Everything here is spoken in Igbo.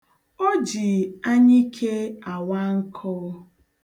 O ji anyike awa nkụ.